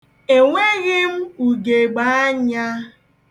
Enweghị m ugegbeanya.